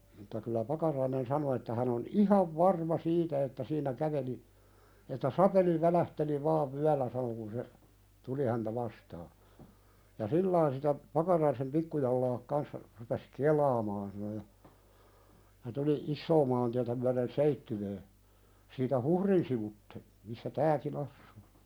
mutta kyllä Pakarainen sanoi että hän on ihan varma siitä että siinä käveli että sapeli välähteli vain vyöllä sanoi kun se tuli häntä vastaan ja sillä tavalla sitä Pakaraisen pikkujalat kanssa rupesi kelaamaan sanoi ja ja tuli isoa maantietä myöten Seitsiöön siitä Huhrin sivuitse missä tämäkin asuu